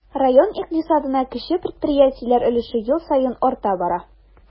Район икътисадында кече предприятиеләр өлеше ел саен арта бара.